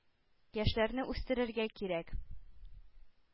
Яшьләрне үстерергә кирәк.